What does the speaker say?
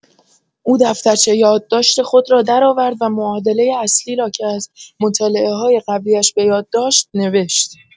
او دفترچه یادداشت خود را درآورد و معادلۀ اصلی را که از مطالعه‌های قبلی‌اش بۀاد داشت، نوشت.